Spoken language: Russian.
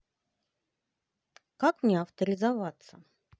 как мне авторизоваться